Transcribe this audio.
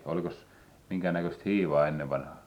olikos minkäännäköistä hiivaa ennen vanhaan